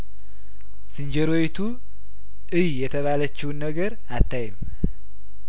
ዝንጀሮዪቱ እይ የተባለችውን ነገር አታይም